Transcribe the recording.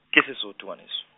ke Sesotho ngwaneso.